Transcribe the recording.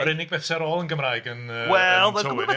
Yr unig beth sydd ar ôl yn Gymraeg yn... Wel. ...Tywyn, ia?